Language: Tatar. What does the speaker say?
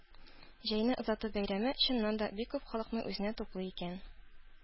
Җәйне озату бәйрәме, чыннан да, бик күп халыкны үзенә туплый икән.